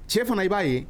Tiɲɛ dun na i b'a ye